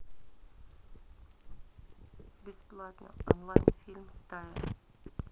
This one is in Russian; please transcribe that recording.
бесплатно онлайн фильм стая